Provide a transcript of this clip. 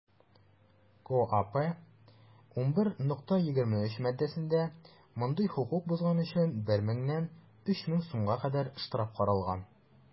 КоАП 11.23 маддәсендә мондый хокук бозган өчен 1 меңнән 3 мең сумга кадәр штраф каралган.